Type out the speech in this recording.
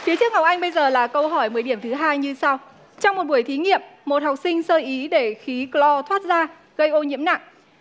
phía trước ngọc anh bây giờ là câu hỏi mười điểm thứ hai như sau trong một buổi thí nghiệm một học sinh sơ ý để khí cờ lo thoát ra gây ô nhiễm nặng